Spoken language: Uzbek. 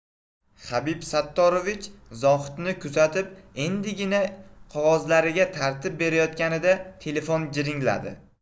habib sattorovich zohidni kuzatib endigina qog'ozlariga tartib berayotganida telefon jiringladi